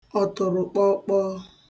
ọ̀tụ̀rụ̀kpọọkpọọ